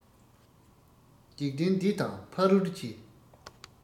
འཇིག རྟེན འདི དང ཕ རོལ གྱི